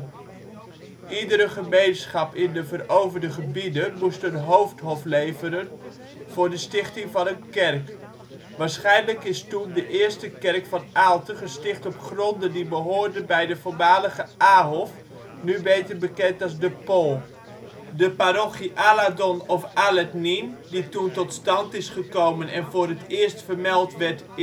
Iedere gemeenschap in de veroverde gebieden moest een ' hoofdhof ' leveren voor de stichting van een kerk. Waarschijnlijk is toen de eerste kerk van Aalten gesticht op gronden die behoorden bij de voormalige Ahof, nu beter bekend als De Pol. De parochie Aladon of Alethnin, die toen tot stand is gekomen en voor het eerst vermeld werd